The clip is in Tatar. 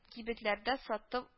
Кибетләрдә сатып